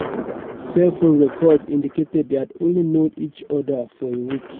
Cellphone records indicated they'd only known each other for a week.